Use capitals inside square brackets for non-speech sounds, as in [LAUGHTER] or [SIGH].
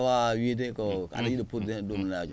waawaa wiide ko [SMACKS LIPS] aɗa yiɗa produit tan e ɗumanajum